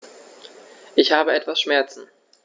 Ich habe etwas Schmerzen.